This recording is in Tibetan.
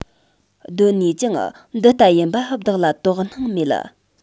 གདོད ནུས ཀྱང འདི ལྟ ཡིན པ བདག ལ དོགས སྣང མེད